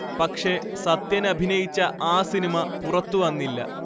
പക്ഷേ സത്യനഭിനയിച്ച ആ സിനിമ പുറത്തുവന്നില്ല